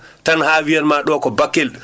tan haa wiyanmaa tan ɗo ko Bakel